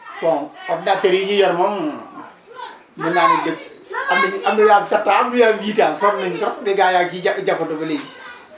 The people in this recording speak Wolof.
bon ordinateur yi ñu yor moom mën naa ne lépp am na yu am na yu am 7 ans am na yu am 8 ans sonn nañu trop mais gars yaa ngi ciy jafandu ba léegi